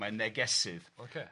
Mae'n negesydd... Ocê...